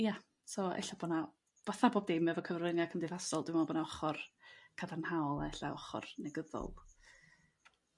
Ia so e'lle bo' 'na fath a bob dim efo cyfrynga' cymdeithasol dwi me'wl bo' 'na ochor cadarnhaol. a e'lla' ochor negyddol.